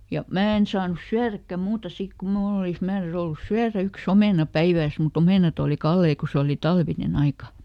ja minä en saanut syödäkään muuta sitten kun minulla olisi määräys ollut syödäkään yksi omena päivässä mutta omenat oli kalliita kun se oli talvinen aika